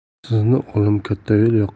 sizni o'g'lim katta yo'l